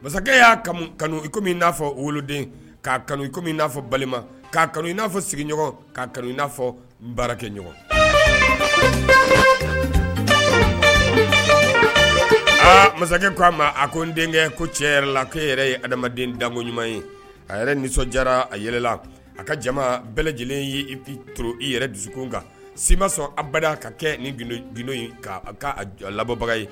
Masakɛ y'a kanu iko min i n'a fɔ woloden'a kanu iko n'a fɔ balima'a kanu i n'a fɔ sigiɲɔgɔn kaa kanu i n'a fɔ baara kɛ ɲɔgɔn masakɛ ko a ma a ko n denkɛ ko cɛ yɛrɛ la e yɛrɛ ye adamaden dako ɲuman ye a yɛrɛ nisɔndi a yɛlɛla a ka jama bɛɛ lajɛlen y'i ip to i yɛrɛ dusu kan si ma sɔnba ka kɛ ni k' ka jɔ labɔbaga ye